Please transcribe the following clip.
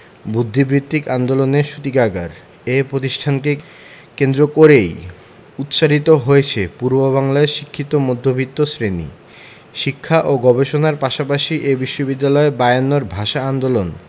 বুদ্ধিবৃত্তিক আন্দোলনের সূতিকাগার এ প্রতিষ্ঠানকে কেন্দ্র করেই উৎসারিত হয়েছে পূর্ববাংলার শিক্ষিত মধ্যবিত্ত শ্রেণি শিক্ষা ও গবেষণার পাশাপাশি এ বিশ্ববিদ্যালয় বায়ান্নর ভাষা আন্দোলন